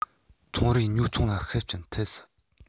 ཚོང རའི ཉོ ཚོང ལ ཤུགས རྐྱེན ཐེབས སྲིད